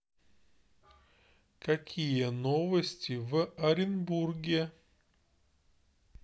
какие новости в оренбурге